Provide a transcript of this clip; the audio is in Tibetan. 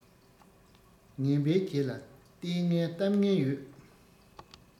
ངན པའི རྗེས ལ ལྟས ངན གཏམ ངན ཡོད